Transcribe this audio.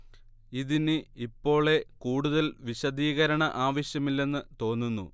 ഇതിനി ഇപ്പോളെ കൂടുതൽ വിശദീകരണ ആവശ്യമില്ലെന്ന് തോന്നുന്നു